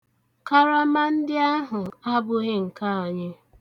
Karama ndị ahụ abụghị nke anyị.